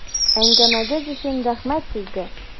Әңгәмәгез өчен рәхмәт сезгә!